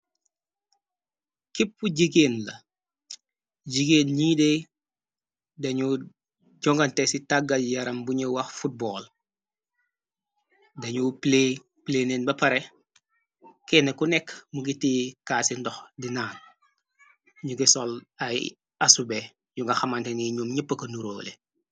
Kippu jigeen la jigeen ñii dee dañu jongante ci tàggal yaram buñu wax football dañu pleeneen be pare kenne ku nekk mu giti kaaci ndox dinaan ñu ki sol ay asube yu nga xamante ni ñyoom ñyepp ko nuróole.